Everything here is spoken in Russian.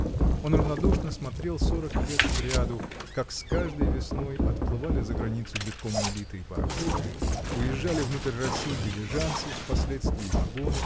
Он равнодушно смотрел сорок лет сряду, как с каждой весной отплывали за границу битком набитые пароходы, уезжали внутрь России дилижансы, впоследствии вагоны